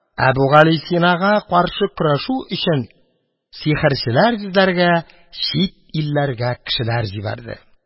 Әбүгалисинага каршы көрәшү өчен сихерчеләр эзләргә чит илләргә кешеләр җибәрде.